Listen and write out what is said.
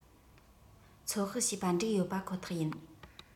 ཚོད དཔག བྱས པ འགྲིག ཡོད པ ཁོ ཐག ཡིན